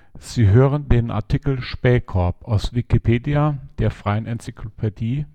Sie hören den Artikel Spähkorb, aus Wikipedia, der freien Enzyklopädie